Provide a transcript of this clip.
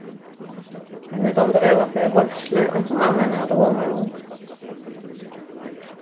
henni dámdi væl at fara í veitslur eins og mamma hennara tá hon var ung